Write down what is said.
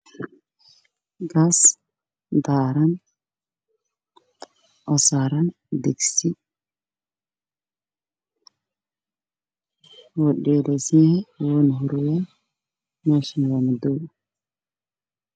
Waa gaas daaran oo saran digsi madow